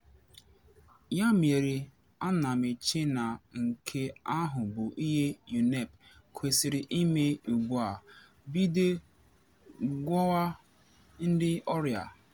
Ya mere, ana m eche na nke ahụ bụ ihe UNEP kwesiri ime ugbu a: bido gwọwa ndị ọrịa.